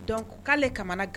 Don k'ale kamana gan